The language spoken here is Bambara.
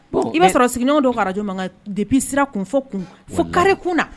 I'a sɔrɔ sigiɲɔgɔnw don faraj de bisira kun fɔ fo kari kunna na